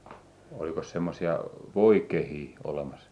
olikos semmoisia voikehiä olemassa